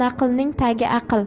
naqlning tagi aql